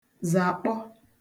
zàkpọ